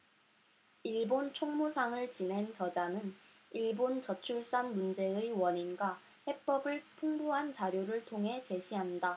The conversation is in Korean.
일본 총무상을 지낸 저자는 일본 저출산 문제의 원인과 해법을 풍부한 자료를 통해 제시한다